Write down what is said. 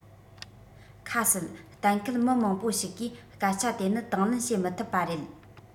ཁ གསལ གཏན འཁེལ མི མང པོ ཞིག གིས སྐད ཆ དེ ནི དང ལེན བྱེད མི ཐུབ པ རེད